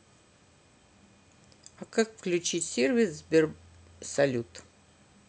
а как включить сервис сберсалют